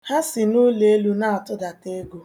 Ha si n'ụlọelụ na-atụdata ego.